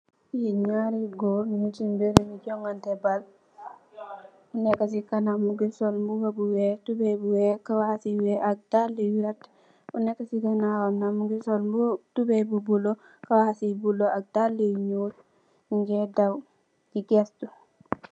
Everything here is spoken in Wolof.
Li naari goor nyun si berembi bi joganteh baal ko neka si kanam mongi sol mbuba bu weex tubai bu weex kawas bu weex ak daala bu weex ko nekka si ganawam nak mongi sol tubai bu bulu kawas bu bulu ak daala bu nuul moge daw di gestu.